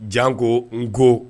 Jan ko n ko